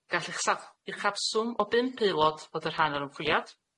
Gall uchsaf- uchafswm o bump aelod fod yn rhan o'r ymchwiliad,